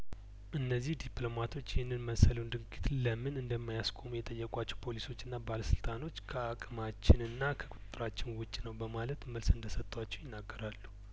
እነዚሁ ዲፕሎማቶች ይህንን መሰሉን ድርጊት ለምን እንደማያስቆሙ የጠየቋቸው ፖሊሶችና ባለስልጣኖች ከአቅማችንና ከቁጥጥራችን ውጪ ነው በማለት መልስ እንደሰጧቸው ይናገራሉ